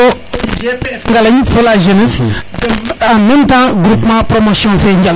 fo GPF fe Ngalagne fo la jeunesse den en meme temps groupement promotion fe Njalo